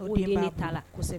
Ko ye maa ta la